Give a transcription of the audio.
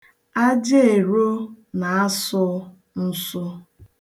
Ajaero na-asụ nsụ.